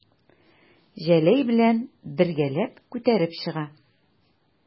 Җәләй белән бергәләп күтәреп чыга.